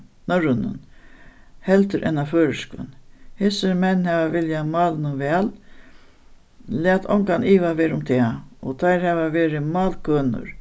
norrønum heldur enn á føroyskum hesir menn hava viljað málinum væl lat ongan iva vera um tað og teir hava verið málkønur